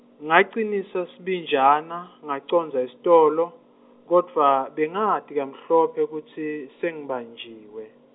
Ngacinisa sibinjana, ngacondza esitolo, kodvwa, bengati kamhlophe kutsi, sengibanjiwe.